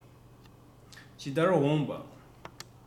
ཇི ལྟར འོངས པ